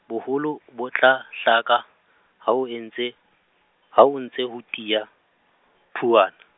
boholo, bo tla, hlaka, ha o entse, ha ho ntse ho tiya, phuwana.